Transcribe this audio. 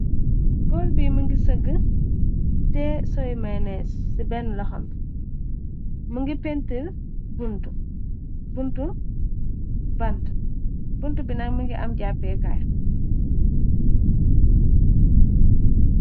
Gool bi mi ngi sëgg téyeh soyu maynees ci benn loxambi mi ngi pintir buntu bant bunt bina mi ngi am jàppée kaay.